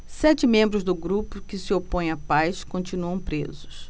sete membros do grupo que se opõe à paz continuam presos